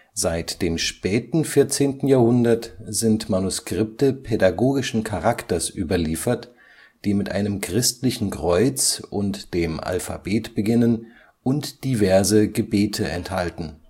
Seit dem späten 14. Jahrhundert sind Manuskripte pädagogischen Charakters überliefert, die mit einem christlichen Kreuz und dem Alphabet beginnen und diverse Gebete enthalten